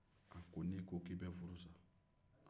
a ko ni i ko k'i bɛ n' furu sa